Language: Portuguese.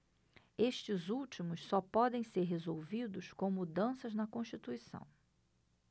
estes últimos só podem ser resolvidos com mudanças na constituição